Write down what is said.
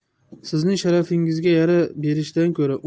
sizning sharafingizga yara berishdan ko'ra